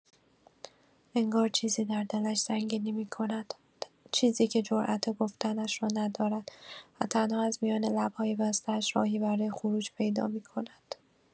انگار چیزی در دلش سنگینی می‌کند، چیزی که جرات گفتنش را ندارد و تنها از میان لب‌های بسته‌اش راهی برای خروج پیدا می‌کند.